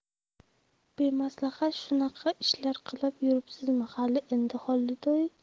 bemaslahat shunaqa ishlar qilib yuribsizmi hali dedi xolidiy